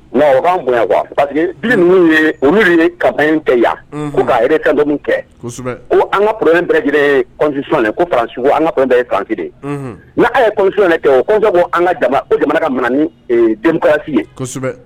Bonyayan pa bi ninnu ye olu ye ka ban in bɛɛ yan' yɛrɛ kandenw kɛ an kauran bɛ ko fansiw an ka kɔn fanfi n'aw yesi kɛ' bɛ ko an ka daba o jamana ka niyasi ye